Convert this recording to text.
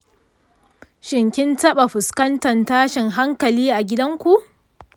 shin kin taɓa fuskantar tashin hankali a gidanku?